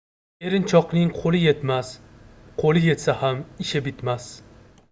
erinchoqning qo'li yetmas qo'li yetsa ham ishi bitmas